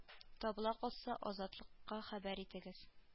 Табыла калса азатлык ка хәбәр итегез